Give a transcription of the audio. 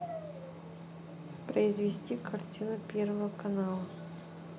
произвести картинку первого канала